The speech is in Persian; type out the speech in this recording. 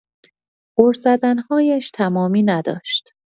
غر زدن‌هایش تمامی نداشت.